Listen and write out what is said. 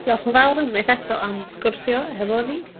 Diolch yn fawr unwaith eto am sgwrsio hefo ni.